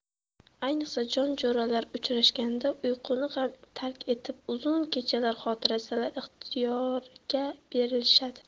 ayniqsa jon jo'ralar uchrashganda uyquni ham tark etib uzun kechalar xotiralar ixtiyoriga berilishadi